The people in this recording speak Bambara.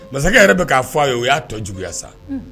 Masakɛ yɛrɛ bɛ k'a fɔ a ye o y'a tɔ juguya sa